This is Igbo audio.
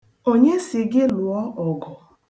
Onye sị gị lụọ ọgụ?